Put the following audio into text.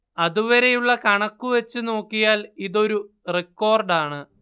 അതുവരെയുള്ള കണക്കു വച്ചു നോക്കിയാൽ ഇതൊരു റിക്കോർഡാണ്